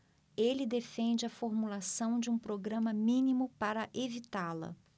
ele defende a formulação de um programa mínimo para evitá-la